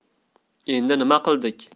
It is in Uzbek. endi nima qildik